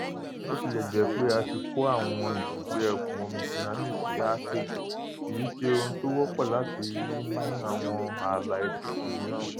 Bó tilẹ̀ jẹ́ pé a ti kọ́ àwọn ibùgbé ẹ̀kún omi tsunami sí Aceh, kìí ṣe ohun tó wọ́pọ̀ láti rí ní àwọn ààlà etíkun mìíràn.